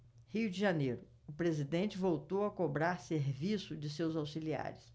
rio de janeiro o presidente voltou a cobrar serviço de seus auxiliares